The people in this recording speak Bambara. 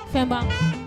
Fɛba